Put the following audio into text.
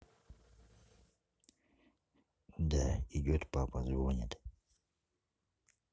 да идет папа звонит